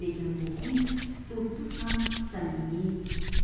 lekin bu kuy so'zsiz ham samimiy